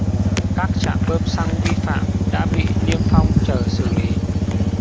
các trạm bơm xăng vi phạm đã bị niêm phong chờ xử lý